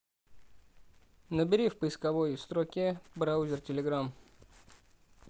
набери в поисковой строке браузер телеграмм